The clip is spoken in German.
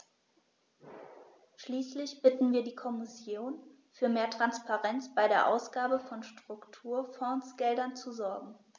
Schließlich bitten wir die Kommission, für mehr Transparenz bei der Ausgabe von Strukturfondsgeldern zu sorgen.